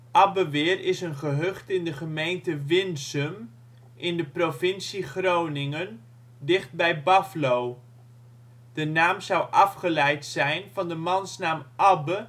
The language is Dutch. Abbeweer is een gehucht in de gemeente Winsum in de provincie Groningen, dichtbij Baflo. De naam zou afgeleid zijn van de mansnaam Abbe